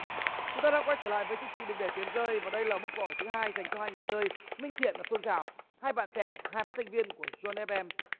chúng ta đang quay trở lại với chương trình đừng để tiền rơi vào đây là mốc câu hỏi thứ hai dành cho hai người chơi minh thiện và phương thảo hai bạn trẻ hai phát thanh viên của giôn ép em